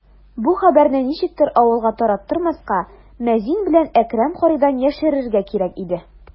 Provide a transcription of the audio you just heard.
Бу хәбәрне ничектер авылга тараттырмаска, мәзин белән Әкрәм каридан яшерергә кирәк иде.